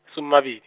suma bidi.